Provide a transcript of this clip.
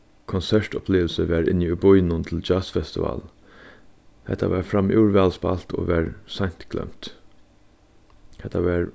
konsertupplivilsið var inni í býnum til djassfestival hetta var framúr væl spælt og varð seint gloymt hetta var